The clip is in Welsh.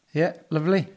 Ie, lyfli.